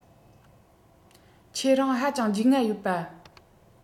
ཁྱེད རང ཧ ཅང རྒྱུས མངའ ཡོད པ